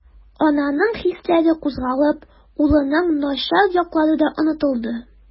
Ананың хисләре кузгалып, улының начар яклары да онытылды.